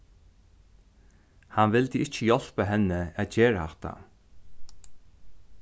hann vildi ikki hjálpa henni at gera hatta